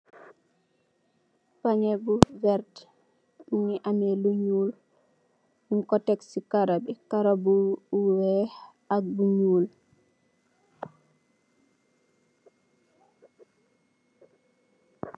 Panyi bou werta mougui ammeh lou nyull nyoung ko tek ci karro bi korro bou weck ak bou nyull.